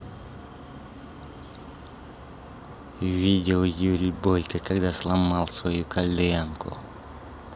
видео юрий бойко когда сломал свою коленку